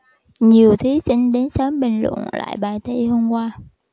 nhiều thí sinh đến sớm bình luận lại bài thi hôm qua